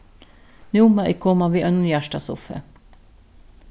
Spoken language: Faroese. nú má eg koma við einum hjartasuffi